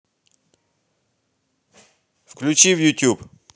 включи в ютуб